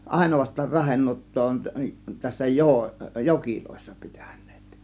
ainoastaan rahenuottaa on tässä - joissa pitäneet